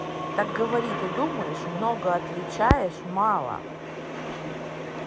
так говори ты думаешь много отвечаешь мало